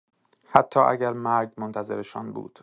حتی اگر مرگ منتظرشان بود.